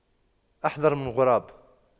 أحذر من غراب